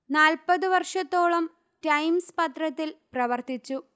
നാൽപ്പതു വർഷത്തോളം ടൈംസ് പത്രത്തിൽ പ്രവർത്തിച്ചു